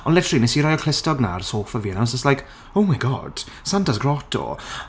Ond literally, wnes i rhoi'r clustog 'na ar sofa fi *and I was just like "Oh my God, Santa's Grotto."